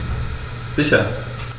Sicher.